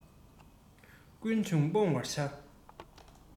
ཀུན འབྱུང སྤོང བར བྱ